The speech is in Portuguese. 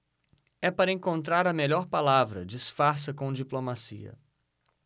é para encontrar a melhor palavra disfarça com diplomacia